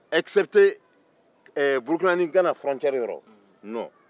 excepte ɛɛ burukina ni gana dan yɔrɔ ayi